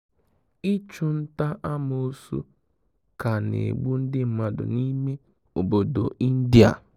Ịchụ nta-amoosu ka na-egbu ndị mmadụ n'ime obodo India